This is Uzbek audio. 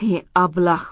e ablah